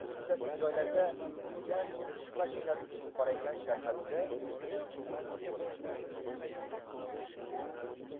kimsasiz joylarda ulkan yuk mashinasining qoraygan sharpasiga hech ko'nikib bo'lmaydi